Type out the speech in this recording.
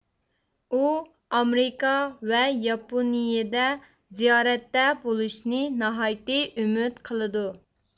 ئۇ ئامېرىكا ۋە ياپونىيىدە زىيارەتتە بولۇشنى ناھايىتى ئۈمىد قىلىدۇ